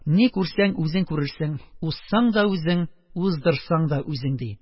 Ни күрсәң, үзең күрерсең, узсаң да - үзең, уздырсаң да - үзең! - ди.